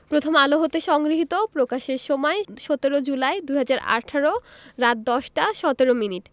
প্রথম আলো হতে সংগৃহীত প্রকাশের সময় ১৭ জুলাই ২০১৮ রাত ১০টা ১৭ মিনিট